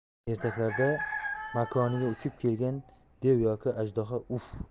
ertaklarda makoniga uchib kelgan dev yoki ajdaho uf f